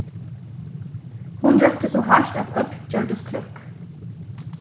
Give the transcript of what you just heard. hon rópti so hart at øll gjørdust kløkk